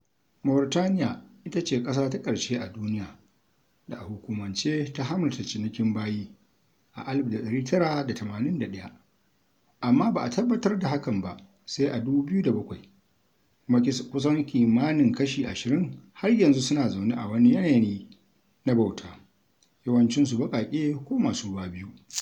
Mauritaniya ita ce ƙasa ta ƙarshe a duniya da a hukumance ta haramta cinikin bayi a 1981, amma ba a tabbatar da hakan ba sai a 2007 kuma kusan kimanin kashi 20 har yanzu suna zaune a wani yanayi na bauta, yawancinsu baƙaƙe ko masu ruwa biyu.